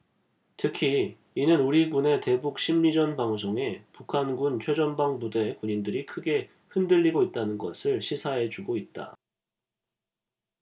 특히 이는 우리 군의 대북 심리전방송에 북한군 최전방부대 군인들이 크게 흔들리고 있다는 것을 시사해주고 있다